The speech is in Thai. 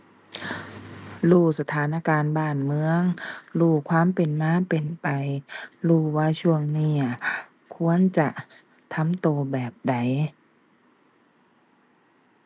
รู้สถานการณ์บ้านเมือง รู้ความเป็นมาเป็นไป รู้ว่าช่วงเนี่ยควรจะทำตัวแบบใด